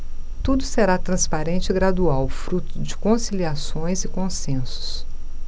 tudo será transparente e gradual fruto de conciliações e consensos